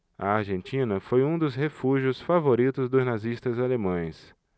a argentina foi um dos refúgios favoritos dos nazistas alemães